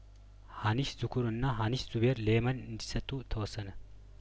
ሀኒሽ ዙኩር እና ሀኒሽ ዙቤር ለየመን እንዲሰጡ ተወሰነ